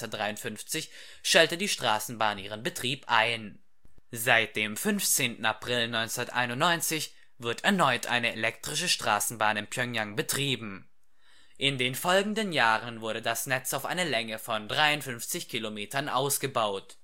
1953) stellte die Straßenbahn ihren Betrieb ein. Seit 15. April 1991 wird erneut eine elektrische Straßenbahn in Pjöngjang betrieben. In den folgenden Jahren wurde das Netz auf eine Länge von 53 Kilometern ausgebaut